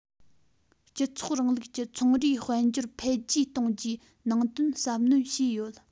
སྤྱི ཚོགས རིང ལུགས ཀྱི ཚོང རའི དཔལ འབྱོར འཕེལ རྒྱས གཏོང རྒྱུའི ནང དོན གསབ སྣོན བྱས ཡོད